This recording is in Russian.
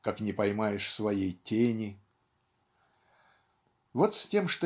как не поймаешь своей тени". Вот с тем